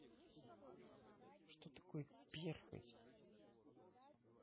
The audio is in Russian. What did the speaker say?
что такое перхоть